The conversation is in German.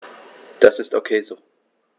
Das ist ok so.